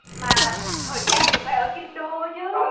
mà thời trang thì phải ở kinh đô chứ